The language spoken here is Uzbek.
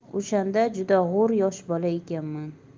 o'shanda juda g'o'r yosh bola ekanman